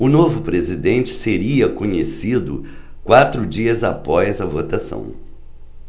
o novo presidente seria conhecido quatro dias após a votação